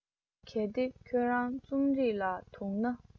གལ ཏེ ཁྱོད རང རྩོམ རིག ལ དུངས ན